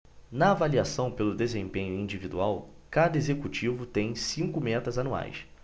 na avaliação pelo desempenho individual cada executivo tem cinco metas anuais